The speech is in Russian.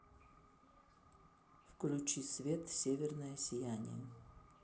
включи свет северное сияние